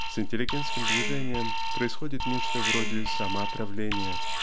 С интеллигентским движением происходит нечто вроде самоотравления.